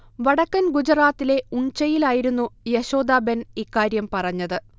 വടക്കൻ ഗുജറാത്തിലെ ഉൺചയിലായിരുന്നു യശോദാ ബെൻ ഇക്കാര്യം പറഞ്ഞത്